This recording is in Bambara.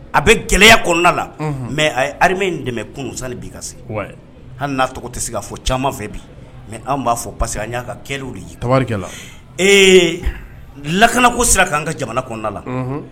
A bɛ gɛlɛya kɔnɔna la bi mais a ye armée in dɛmɛ kunun yani bi ka se, wayi, hali n'a tɔgɔ tɛ se ka fɔ caaman fɛ b i mais anw b'a fɔ parce que an y'a ka kɛ yeri ka kɛlenw de ye, tabarikala, ɛɛ lakanako siraka an ka jamana kɔnɔna la, unhun.